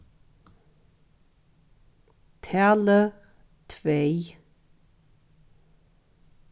talið tvey